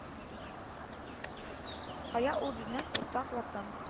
Кая ул безнең уртак ватан